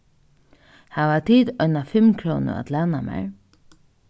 hava tit eina fimmkrónu at læna mær